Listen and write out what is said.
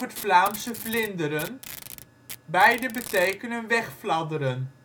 Vlaamse vlinderen, beide betekenen wegfladderen